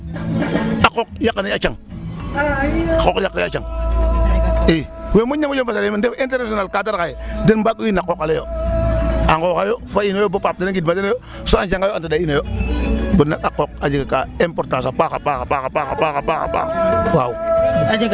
A qooq yaqanee a cang a qooq yaqanee a cang i we moƴna moƴo bachelier ndef international cadre xaye den mbaag'u in na qooq ale yo a nqooxaayo fa inoyo bo Pape den a ngidma den oyo so a njagaaayo a ndaa ino yo bon nak a qooq a jega importance a paax, a paax, a paaxa paax waaw.